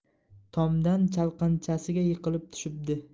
tomdan chalqanchasiga yiqilib tushibdi